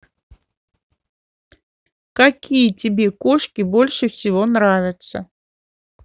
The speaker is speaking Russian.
какие тебе кошки больше всего нравятся